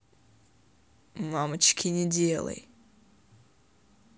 мамочки не делай